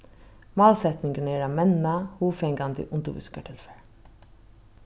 málsetningurin er at menna hugfangandi undirvísingartilfar